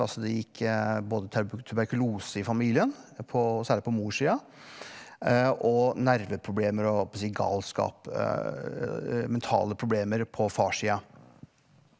altså det gikk både tuberkulose i familien på særlig på morsida og nerveproblemer og hold på å si galskap mentale problemer på farssida.